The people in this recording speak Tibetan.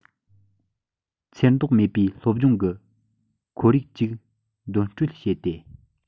འཚེར དོགས མེད པའི སློབ སྦྱོང གི ཁོར ཡུག ཅིག འདོན སྤྲོད བྱས ཏེ